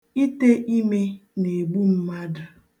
Ite ime na-egbu mmadụ.